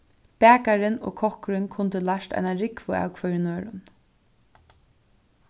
bakarin og kokkurin kundu lært eina rúgvu av hvørjum øðrum